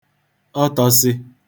ọtọ̄sị̄